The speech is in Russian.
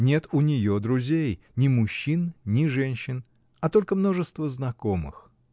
Нет у нее друзей — ни мужчин, ни женщин, а только множество знакомых.